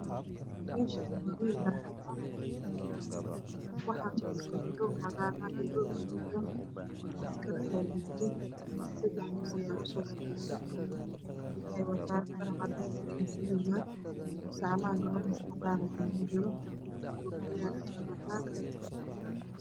Meeshani waa mel barxad ah waxa fidsan roog cagar ah iyo roog gadud ah askar aya jogto sadex nin aya u so sokeyso waxay wataan dhar cadees ah iyo dhar baluug ah gacmaha galoofis cadana aya ugu jiro koofiyal ayey wataan